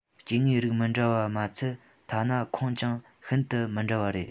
སྐྱེ དངོས རིགས མི འདྲ བ མ ཚད ཐ ན ཁོངས ཀྱང ཤིན ཏུ མི འདྲ བ རེད